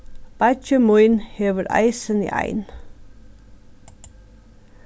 beiggi mín hevur eisini ein